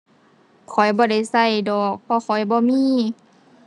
ข้อยบ่ได้ใช้ดอก เพราะข้อยบ่มี